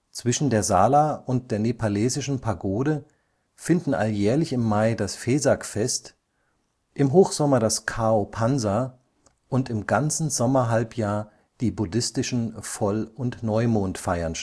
Zwischen der Sala und der nepalesischen Pagode finden alljährlich im Mai das Vesakh-Fest, im Hochsommer das Khao Phansa und im ganzen Sommerhalbjahr die buddhistischen Voll - und Neumondfeiern